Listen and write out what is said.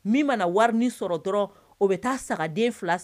Min mana na warinin sɔrɔ dɔrɔn, o bɛ taa saga den fila san.